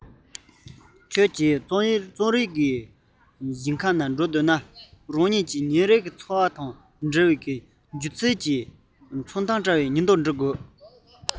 ཁྱོད ཀྱིས རྩོམ རིག གི ཞིང ཁམས ཉུལ བར འདོད ན རང ཉིད ཀྱི ཉིན རེའི འཚོ བ དང འབྲེལ བའི སྒྱུ རྩལ གྱི མཚན མདངས བཀྲ བའི ཉིན ཐོ བྲིས དང